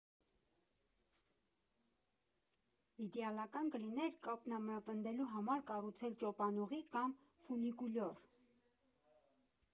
Իդեալական կլիներ կապն ամրապնդելու համար կառուցել ճոպանուղի կամ ֆունիկուլյոր։